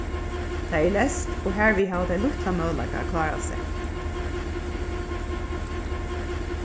tað er leyst og harvið hava tey lítlan møguleika at klára seg